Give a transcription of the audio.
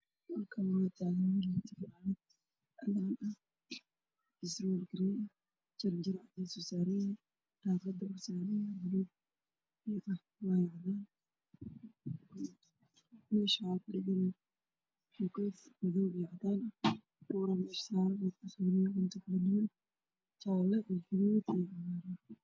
Meshan waa darbi uu ku dhegan yahay boor waxaa ku sawiran qudaar guduud iyo cagaar ah